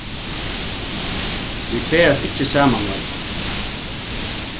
vit ferðast ikki saman meira